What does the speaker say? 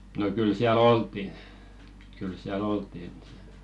no kyllä siellä oltiin kyllä siellä oltiin